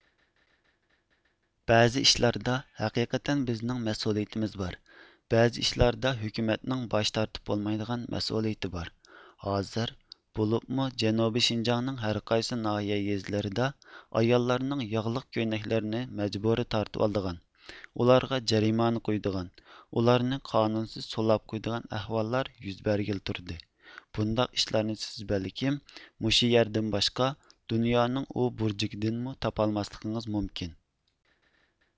بەزى ئىشلاردا ھەقىقەتەن بىزنڭ مەسئۇلىيتىمىز بار بەزى ئىشلاردا ھۆكۈمەتنڭ باش تارتىپ بولمايدىغان مەسئۇلىيتى بار ھازىر بۇلۇپمۇ جەنۇبى شىنجاڭنىڭ ھەر قايسى ناھىيە يېزىلىردا ئاياللارنڭ ياغلىق كۆينەكلىرنى مەجبۇرى تارتىۋالىدىغان ئۇلارغا جەرىمانە قويىدىغان ئۇلارنى قانۇسىز سولاپ قويىدىغان ئەھۋاللار يۈز بەرگىلى تۇردى بۇنداق ئىشلارنى سىز بەلكىم مۇشۇ يەردىن باشقا دۇنيانىڭ ئۇبۇرجىكىدىنمۇ تاپالماسلقىڭىز مۇمكىن